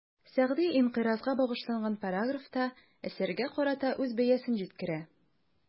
Сәгъди «инкыйраз»га багышланган параграфта, әсәргә карата үз бәясен җиткерә.